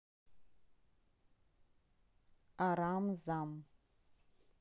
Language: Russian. арам зам